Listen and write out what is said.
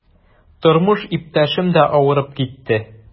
Тормыш иптәшем дә авырып китте.